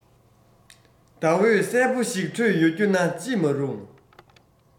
ཟླ འོད གསལ བོ ཞིག འཕྲོས ཡོད རྒྱུ ན ཅི མ རུང